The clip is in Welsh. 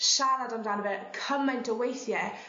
siarad amdano fe cymaint o weithie